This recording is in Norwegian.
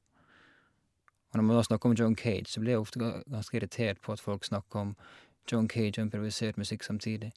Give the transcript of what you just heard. Og når man nå snakker om John Cage, så blir jeg ofte ga ganske irritert på at folk snakker om John Cage og improvisert musikk samtidig.